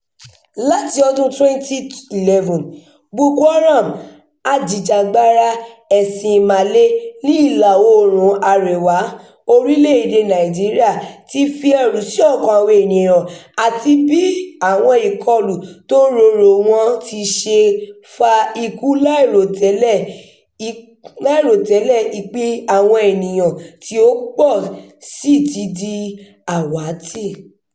Láti ọdún-un 2011, Boko Haram, ajìjàǹgbara ẹ̀sìn Ìmàle ní Ìlà-oòrùn àréwá orílẹ̀-èdèe Nàìjíríà, ti fi ẹ̀rù sí ọkàn àwọn ènìyàn àti bí àwọn ìkọlù tó rorò wọ́n ti ṣe fa ikú láì rò tẹ́lẹ̀ ìpí àwọn ènìyàn, tí ọ̀pọ̀ọ́ sì ti di àwátì.